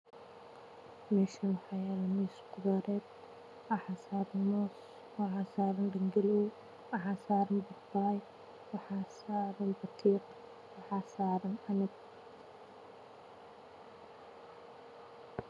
Meeshaani waxaa yaalo miis qudaar waxaa saaran moos waxaa saaran dhangaloo waxaa saaran babaay waxaa saaran batiiq canab